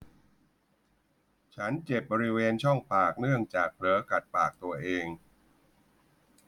ฉันเจ็บบริเวณช่องปากเนื่องจากเผลอกัดปากตัวเอง